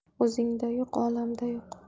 o'zingda yo'q olamda yo'q